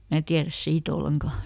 minä tiedä siitä ollenkaan